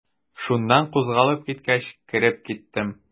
Шуннан кузгалып киткәч, кереп киттем.